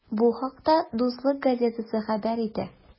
Бу хакта “Дуслык” газетасы хәбәр итә.